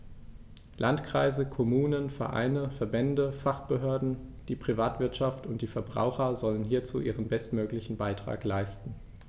Landkreise, Kommunen, Vereine, Verbände, Fachbehörden, die Privatwirtschaft und die Verbraucher sollen hierzu ihren bestmöglichen Beitrag leisten.